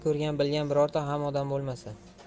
ko'rgan bilgan birorta odam bo'lmasa